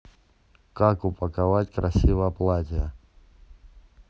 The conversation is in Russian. как упаковать красиво платье